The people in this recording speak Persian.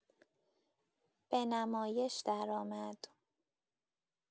به نمایش درآمد.